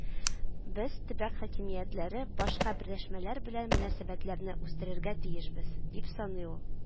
"без – төбәк хакимиятләре башка берләшмәләр белән мөнәсәбәтләрне үстерергә тиешбез", - дип саный ул